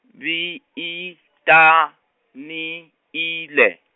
VI I TA NI I LE.